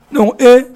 Mais ee